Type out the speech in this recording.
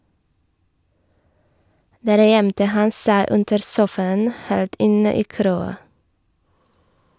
Der gjemte han seg under sofaen, helt inne i kråa.